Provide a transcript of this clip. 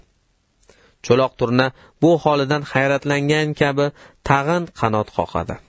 cho'loq turna bu holidan hayratlangan kabi tag'in qanot qoqadi